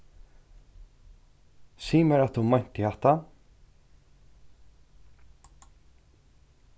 sig mær at tú meinti hatta